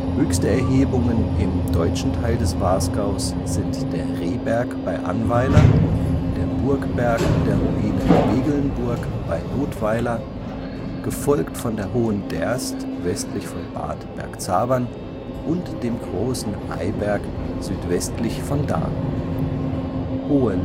Höchste Erhebungen im deutschen Teil des Wasgaus sind der Rehberg (576,8 m) bei Annweiler, der Burgberg der Ruine Wegelnburg (570,9 m) bei Nothweiler, gefolgt von der Hohen Derst (560,5 m) westlich von Bad Bergzabern und dem Großen Eyberg (513 m) südwestlich von Dahn. Hohe List